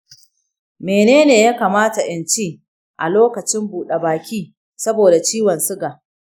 mene ne ya kamata in ci a lokacin buɗe-baki saboda ciwon suga?